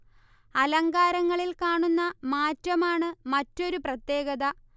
അലങ്കാരങ്ങളിൽ കാണുന്ന മാറ്റമാണ് മറ്റൊരു പ്രത്യേകത